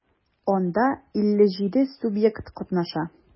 Анда 57 субъект катнаша.